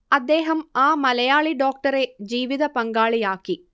അദ്ദേഹം ആ മലയാളി ഡോക്ടറെ ജീവിതപങ്കാളിയാക്കി